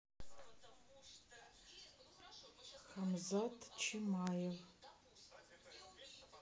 хамзат чимаев